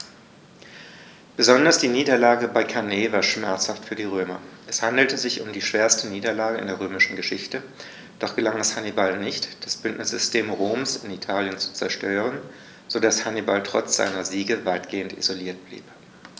Besonders die Niederlage bei Cannae war schmerzhaft für die Römer: Es handelte sich um die schwerste Niederlage in der römischen Geschichte, doch gelang es Hannibal nicht, das Bündnissystem Roms in Italien zu zerstören, sodass Hannibal trotz seiner Siege weitgehend isoliert blieb.